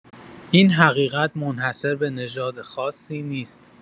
این حقیقت منحصر به نژاد خاصی نیست.